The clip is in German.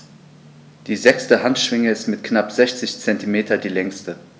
Die sechste Handschwinge ist mit knapp 60 cm die längste.